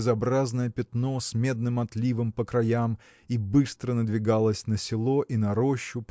безобразное пятно с медным отливом по краям и быстро надвигалось на село и на рощу